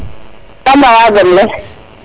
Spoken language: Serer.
kam rawa gon le